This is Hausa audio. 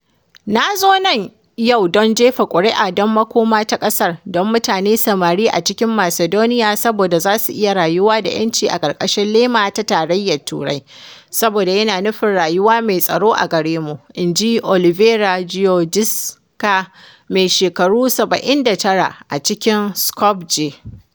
“Na zo nan yau don jefa kuri’a don makoma ta ƙasar, don mutane samari a cikin Macedonia saboda za su iya rayuwa da ‘yanci a ƙarƙashin lema ta Tarayyar Turai saboda yana nufin rayuwa mai tsaro a gare mu,” inji Olivera Georgijevska, mai shekaru 79, a cikin Skopje.